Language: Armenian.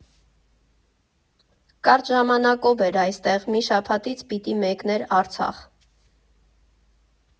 Կարճ ժամանակով էր այստեղ, մի շաբաթից պիտի մեկներ Արցախ։